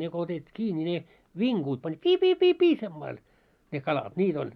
ne kun otetaan kiinni niin ne vinkuvat pani pii pii pii pii sillä lailla ne kalat niitä oli